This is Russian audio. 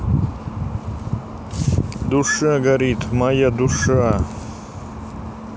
душа горит моя душа